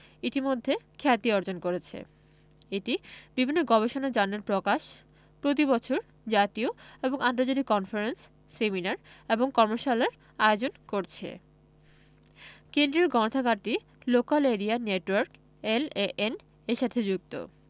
ইতোমধ্যে খ্যাতি অর্জন করেছে এটি বিভিন্ন গবেষণা জার্নাল প্রকাশ প্রতি বছর জাতীয় এবং আন্তর্জাতিক কনফারেন্স সেমিনার এবং কর্মশালার আয়োজন করছে কেন্দ্রীয় গ্রন্থাগারটি লোকাল এরিয়া নেটওয়ার্ক এলএএন এর সাথে যুক্ত